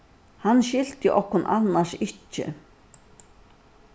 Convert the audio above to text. hann skilti okkum annars ikki